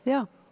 ja.